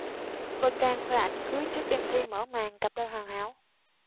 vân trang khoe ảnh cưới trước đêm thi mở màn cặp đôi hoàn hảo